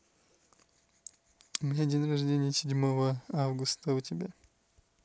у меня день рождения седьмого августа а у тебя